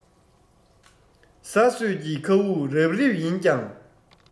ས སྲོད ཀྱི མཁའ དབུགས རབ རིབ ཡིན ཀྱང